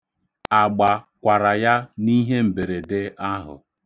Agba kwara ya n'ihe mberede ahụ.